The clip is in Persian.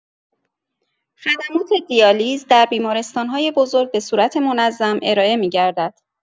خدمات دیالیز در بیمارستان‌های بزرگ به صورت منظم ارائه می‌گردد.